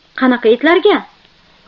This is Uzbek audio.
qanaqa itlarga